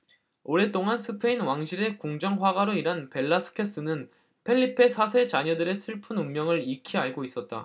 오랫동안 스페인 왕실의 궁정화가로 일한 벨라스케스는 펠리페 사 세 자녀들의 슬픈 운명을 익히 알고 있었다